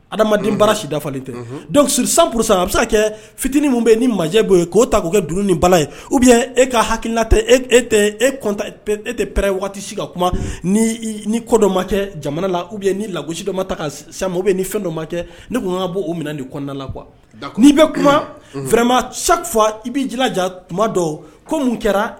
Adama kɛ fitinin ni k'o ta kɛ dunun ni bala ye u e ka ha tɛ e tɛ e tɛ pɛ waati ka kuma ni ko dɔ ma kɛ jamana la u bɛ ni lagosi dɔ ma ta ka sa bɛ ni fɛn dɔ makɛ ne tun' bɔo minɛ ni kɔnda labɔ n' bɛ kuma fɛrɛma sa fɔ i bɛ jija tuma dɔ ko mun kɛra